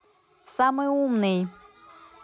самый умный